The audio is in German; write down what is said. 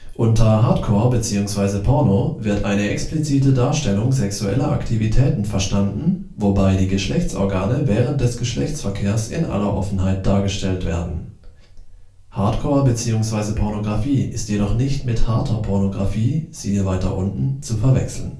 Unter Hardcore bzw. Porno wird eine explizite Darstellung sexueller Aktivitäten verstanden, wobei die Geschlechtsorgane während des Geschlechtsverkehrs in aller Offenheit dargestellt werden. Hardcore bzw. Pornografie ist jedoch nicht mit harter Pornografie (siehe weiter unten) zu verwechseln